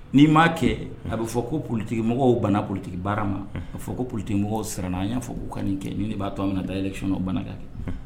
N ni'i maa kɛ a bɛ fɔ ko politigi mɔgɔw bana politigi baara ma a fɔ ko politigimɔgɔ sara n a y'a fɔ' ka nin kɛ ni b'a to min na da yɛlɛyɔn banakan kɛ